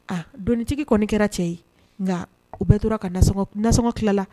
A dɔnnitigi kɔni kɛra cɛ ye nka u bɛ tora ka nagɔ tila la